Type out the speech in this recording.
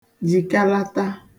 jìkalata